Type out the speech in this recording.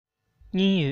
གཉིས ཡོད